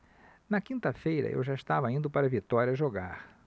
na quinta-feira eu já estava indo para vitória jogar